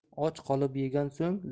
och qolib yegan so'ng